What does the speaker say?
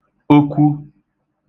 okwu